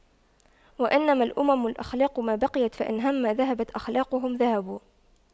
وإنما الأمم الأخلاق ما بقيت فإن هم ذهبت أخلاقهم ذهبوا